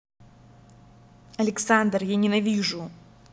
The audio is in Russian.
александр я ненавижу